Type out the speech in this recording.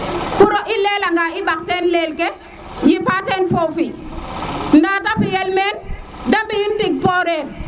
pur i lela nga i mbax teen leel ke yipa ten fofi nda te fi el meen de mbi in tig poreer